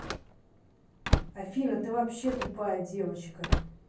афина ты вообще тупая девочка